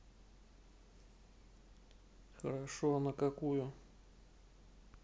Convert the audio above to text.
хорошо а на какую